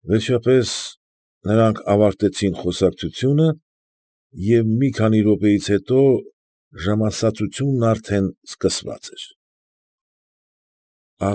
Վերջապես, նրանք ավարտեցին խոսակցությունը, և մի քանի րոպեից հետո ժամասացությունն արդեն սկսված էր։